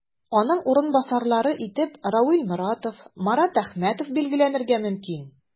Аның урынбасарлары итеп Равил Моратов, Марат Әхмәтов билгеләнергә мөмкин.